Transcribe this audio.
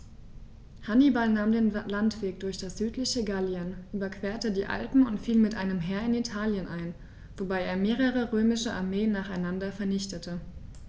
Hannibal nahm den Landweg durch das südliche Gallien, überquerte die Alpen und fiel mit einem Heer in Italien ein, wobei er mehrere römische Armeen nacheinander vernichtete.